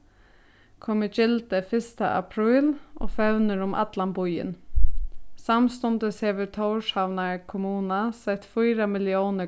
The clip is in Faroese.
kom í gildi fyrsta apríl og fevnir um allan býin samstundis hevur tórshavnar kommuna sett fýra milliónir